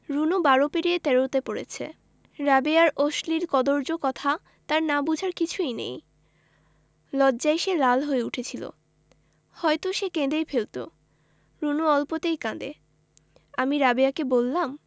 রুনু বারো পেরিয়ে তেরোতে পড়েছে রাবেয়ার অশ্লীল কদৰ্য কথা তার না বুঝার কিছুই নেই লজ্জায় সে লাল হয়ে উঠেছিলো হয়তো সে কেঁদেই ফেলতো রুনু অল্পতেই কাঁদে আমি রাবেয়াকে বললাম